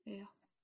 Ia.